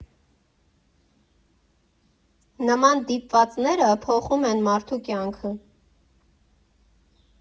Նման դիպվածները փոխում են մարդու կյանքը։